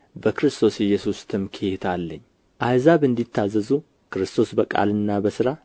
በክርስቶስ ኢየሱስ ትምክህት አለኝ አሕዛብ እንዲታዘዙ ክርስቶስ በቃልና በሥራ